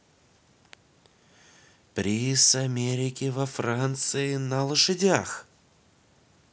приз америки во франции на лошадях